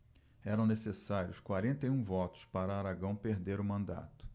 eram necessários quarenta e um votos para aragão perder o mandato